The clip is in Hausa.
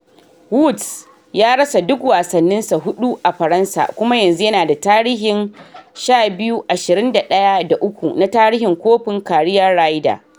Woods ya rasa duk wasanninsa hudu a Faransa kuma yanzu yana da tarihin 13-21-3 na tarihin kofin career Ryder.